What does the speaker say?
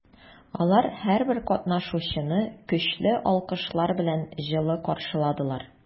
Алар һәрбер катнашучыны көчле алкышлар белән җылы каршыладылар.